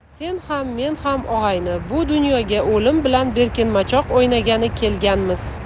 sen ham men ham og'ayni bu dunyoga o'lim bilan berkinmachoq o'ynagani kelganmiz